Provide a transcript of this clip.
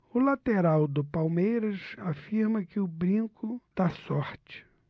o lateral do palmeiras afirma que o brinco dá sorte